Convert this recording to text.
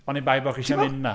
Oni bai bod chi isie mynd yna.